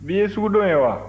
bi ye sugudon ye wa